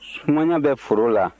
sumaya bɛ foro la